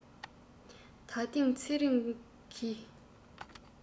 ད ཐེངས ཚེ རིང གིས